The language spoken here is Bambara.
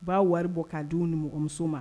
U b'a wari bɔ k'a denw ni mɔgɔmuso ma